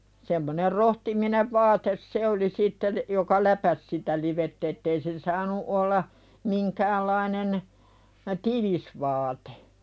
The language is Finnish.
semmoinen rohtiminen vaate se oli sitten joka läpäisi sitä livettä että ei se saanut olla minkäänlainen tiivis vaate